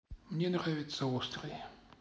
мне нравится острый